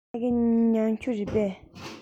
ཕ གི མྱང ཆུ རེད པས